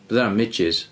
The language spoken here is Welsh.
Be 'di hynna, midges?